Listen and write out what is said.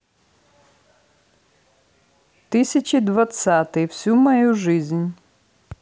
тысячи двадцатый всю мою жизнь